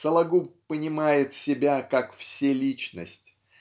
Сологуб понимает себя как вселичность.